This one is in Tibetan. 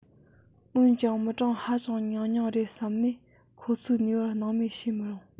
འོན ཀྱང མི གྲངས ཧ ཅང ཉུང ཉུང རེད བསམས ནས ཁོ ཚོའི ནུས པར སྣང མེད བྱེད མི རུང